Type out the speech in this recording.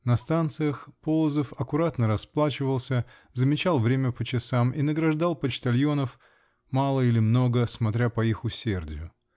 На станциях Полозов аккуратно расплачивался, замечал время по часам и награждал почтальонов-мало или много, смотря по их усердию.